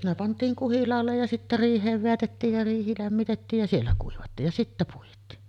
ne pantiin kuhilaalle ja sitten riiheen vedätettiin ja riihi lämmitettiin ja siellä kuivattiin ja sitten puitiin